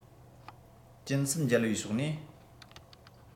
སྐྱིན ཚབ འཇལ བའི ཕྱོགས ནས